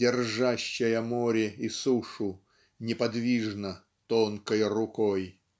Держащая море и сушу Неподвижно тонкой Рукой!